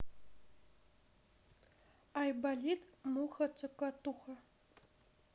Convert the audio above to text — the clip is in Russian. айболит муха цокотуха